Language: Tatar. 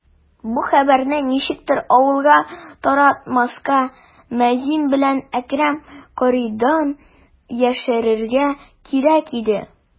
Бу хәбәрне ничектер авылга тараттырмаска, мәзин белән Әкрәм каридан яшерергә кирәк иде.